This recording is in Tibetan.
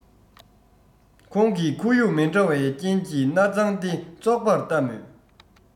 ཁོང གི ཁོར ཡུག མི འདྲ བའི རྐྱེན གྱིས སྣ བཙང སྟེ བཙོག པར ལྟ མོད